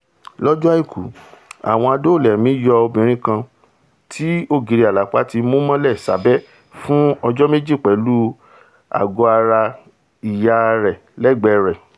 Lọ́jọ́ Àìkú, àwọn adóòlà-ẹ̀mí yọ obìnrin kan ti ògiri àlàpà ti mú mọ́lẹ̀ sábẹ́ fún ọjọ́ méjì pẹ̀lú àgọ́-ara ìyá rẹ̀ lẹ́ẹ̀gbẹ́ rẹ̀